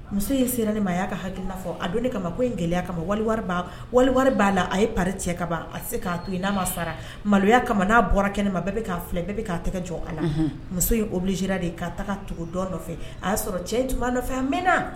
Muso in sera ne ma a y'a ka hakilina fɔ a don ni kama ko in gɛlɛya kama wali wari b'a kun, wali wari b'a la a ye pari cɛ ka ban, a tɛ se ka toyi n'a ma sara maloya kama n'a bɔra kɛnɛ ma bɛɛ bɛ ka filɛ, bɛɛ bɛ ka tigɛ jɔ a la muso in obliger _ ra de ka taa tugu dɔ nɔfɛ, a y'a sɔrɔ cɛ in tun b'a nɔfɛ a mɛna